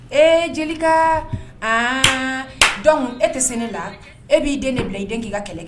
E jelikɛ aa dɔn e tɛ se ne la e b'i den de bila i den k'i ka kɛlɛ kɛ